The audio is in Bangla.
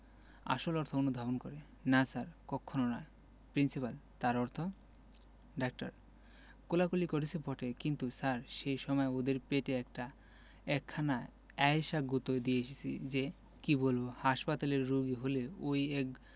আসল অর্থ অনুধাবন করে না স্যার কক্ষণো নয় প্রিন্সিপাল তার অর্থ ডাক্তার কোলাকুলি করেছি বটে কিন্তু স্যার সে সময় ওদের পেটে এক একখানা এ্যায়সা গুঁতো দিয়েছে যে কি বলব হাসপাতালের রোগী হলে ঐ এক